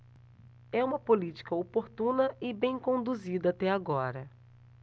é uma política oportuna e bem conduzida até agora